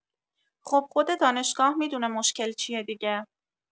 خب خود دانشگاه می‌دونه مشکل چیه دیگه